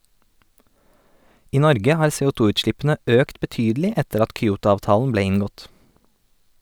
I Norge har CO2-utslippene økt betydelig etter at Kyoto-avtalen ble inngått.